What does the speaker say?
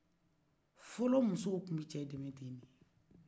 fɔlɔ musow kun bɛ cɛ dɛmɛ ten ne